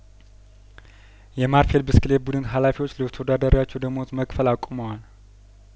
የማር ፌል ብስክሌት ቡድን ሀላፊዎች ለተወዳዳሪያቸው ደሞዝ መክፈል አቁመዋል